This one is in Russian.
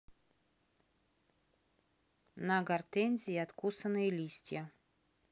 на гортензии откусанные листья